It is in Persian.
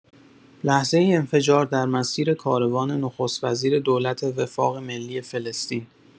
لحظه انفجار در مسیر کاروان نخست‌وزیر دولت وفاق ملی فلسطین